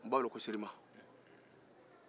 u b'a weele ko sirima